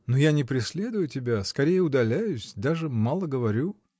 — Но я не преследую тебя: скорее удаляюсь, даже мало говорю.